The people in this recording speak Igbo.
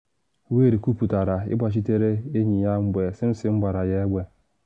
Wayde kwụpụtara ịgbachitere enyi ya mgbe Simpson gbara ya egbe.